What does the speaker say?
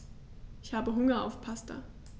Ich habe Hunger auf Pasta.